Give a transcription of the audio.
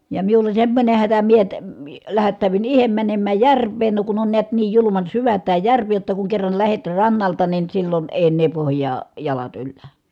ja minulla semmoinen hätä minä - lähättäydyn itse menemään järveen no kun on näet niin julman syvä tämä järvi jotta kun kerran lähdet rannalta niin silloin ei enää pohjaan jalat yllä